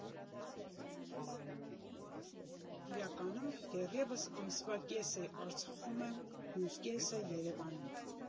Իրականում դեռևս ամսվա կեսը Արցախում եմ, մյուս կեսը՝ Երևանում։